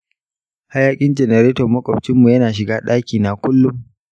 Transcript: hayakin janareton makwabcinmu yana shiga ɗakina kullum.